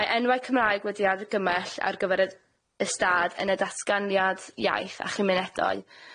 Mae enwau Cymraeg wedi hargymell ar gyfer yr- ystâd yn y datganiad iaith a chymunedou.